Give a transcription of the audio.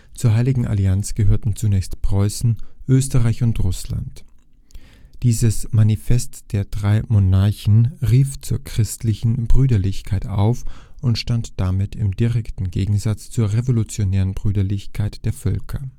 Zur Heiligen Allianz gehörten zunächst Preußen, Österreich und Russland. Dieses Manifest der drei Monarchen rief zur christlichen Brüderlichkeit auf und stand damit im direkten Gegensatz zur revolutionären Brüderlichkeit der Völker